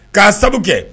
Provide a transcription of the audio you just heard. K'a sababu kɛ